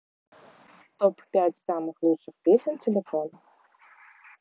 топ пять самых лучших песен телефон